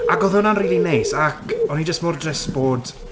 Ac oedd hwnna'n rili neis ac o'n i jyst mor drist bod...